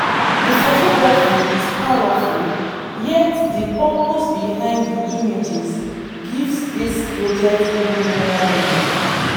“The photography is powerful, yet the purpose behind the images gives this project even more meaning.